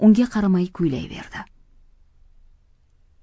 unga qaramay kuylayverdi